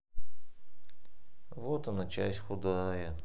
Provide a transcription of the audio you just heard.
вот он часть худая